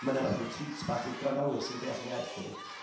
Ma' 'na fatha ryw treat bach i'r gwrandawyr sy'n deall yr iaith, dydi.